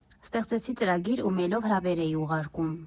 Ստեղծեցի ծրագիր ու մեյլով հրավեր էի ուղարկում։